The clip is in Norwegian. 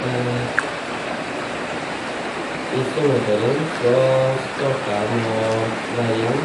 I sommerferien så starta jeg med å være hjemme.